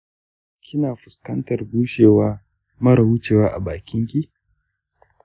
kina fuskantar bushewa mara wucewa a bakin ki?